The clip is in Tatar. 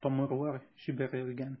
Тамырлар җибәрелгән.